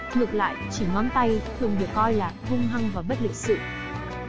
ngược lại chỉ ngón tay thường được coi là hung hăng và bất lịch sự